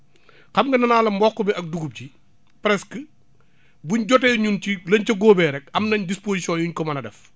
xam nga nee naa la mboq bi ak dugub ji presque buñ jotee ñun ci lañ ca góobee rek am nañ dispositions yu ñu ko mën a def